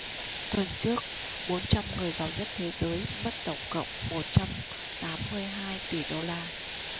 tuần trước bốn trăm người giàu nhất thế giới mất tổng cộng một trăm tám mươi hai tỷ đô la